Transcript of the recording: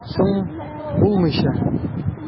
Соң, булмыйча!